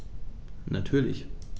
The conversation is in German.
Natürlich.